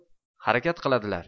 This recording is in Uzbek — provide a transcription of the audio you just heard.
harakat qiladilar